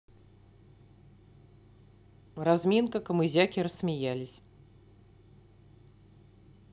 разминка камызяки рассмеялись